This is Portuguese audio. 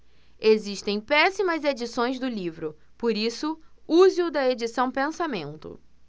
existem péssimas edições do livro por isso use o da edição pensamento